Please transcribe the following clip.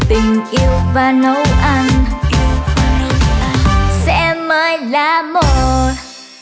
tình yêu và nấu ăn sẽ mãi là một